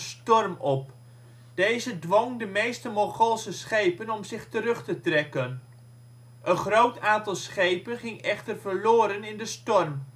storm op. Deze dwong de meeste Mongoolse schepen om zich terug te trekken. Een groot aantal schepen ging echter verloren in de storm